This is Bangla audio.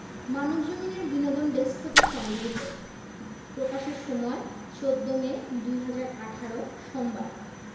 মানবজমিন এর বিনোদন ডেস্ক হতে সংগৃহীত প্রকাশের সময় ১৪ মে ২০১৮ সোমবার